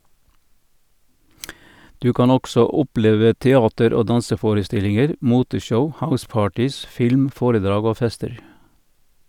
Du kan også oppleve teater- og danseforestillinger, moteshow, house-parties, film, foredrag og fester!